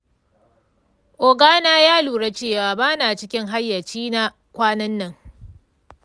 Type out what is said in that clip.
oga na ya lura cewa bana cikin hayyacina kwanan nan.